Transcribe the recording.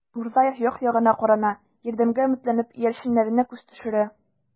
Мурзаев як-ягына карана, ярдәмгә өметләнеп, иярченнәренә күз төшерә.